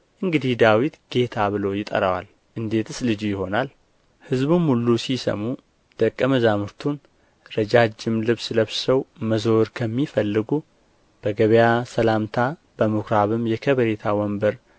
እንግዲህ ዳዊት ጌታ ብሎ ይጠራዋል እንዴትስ ልጁ ይሆናል ሕዝቡም ሁሉ ሲሰሙ ደቀ መዛሙርቱን ረጃጅም ልብስ ለብሰው መዞር ከሚፈልጉ በገበያም ሰላምታ በምኵራብም የከበሬታ ወንበር